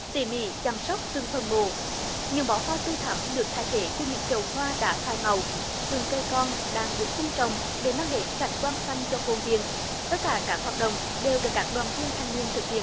tỷ mỉ chăm sóc từng phần mộ những bó hoa tươi thắm được thay thế cho những chậu hoa đã phai màu từng cây con đang được vun trồng để mang đến cảnh quan xanh cho khuôn viên tất cả các hoạt động đều được các đoàn viên thanh niên thực hiện